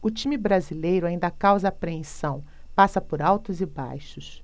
o time brasileiro ainda causa apreensão passa por altos e baixos